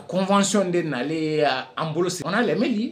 A koɔnsɔnon de naale y'an bolosi lali